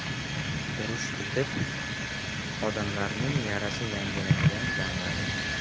urush bitib odamlarning yarasi yangilangan damlar ekan